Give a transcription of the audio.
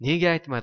nega aytmadi